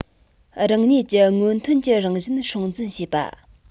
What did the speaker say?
རང ཉིད ཀྱི སྔོན ཐོན ཀྱི རང བཞིན སྲུང འཛིན བྱེད པ